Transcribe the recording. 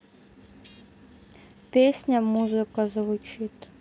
песня музыка звучит